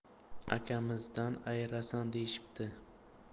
akamizdan ayirasan deyishibdi